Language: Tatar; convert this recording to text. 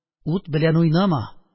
Ут белән уйнама